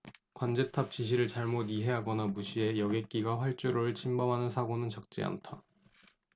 관제탑 지시를 잘못 이해하거나 무시해 여객기가 활주로를 침범하는 사고는 적지 않다